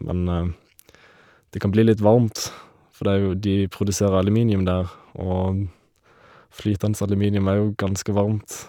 Men det kan bli litt varmt, for det er jo de produserer aluminium der, og flytende aluminium er jo ganske varmt.